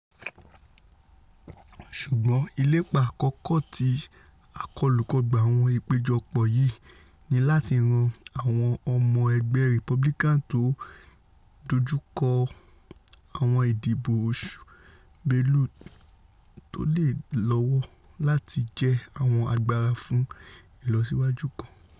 Ṣùgbọ́n ìlépa àkọ́kọ́ ti àkọlùkọgbà àwọn ìpéjọpò yìí ní láti ràn àwọn ọmọ ẹgbẹ́ Republicans tó ńdojúkọ àwọn ìdìbò oṣù Bélú tóle lọ́wọ́ láti jèrè àwọn agbara fún ìlọsíwájú kan.